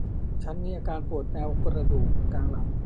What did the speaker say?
ฉันมีอาการปวดแนวกระดูกกลางหลัง